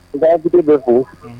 U ka arbitre bɛɛ fo unhun